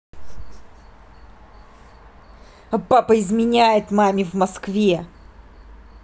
а папа изменяет маме в москве